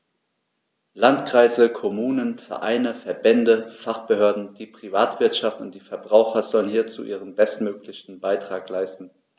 Landkreise, Kommunen, Vereine, Verbände, Fachbehörden, die Privatwirtschaft und die Verbraucher sollen hierzu ihren bestmöglichen Beitrag leisten.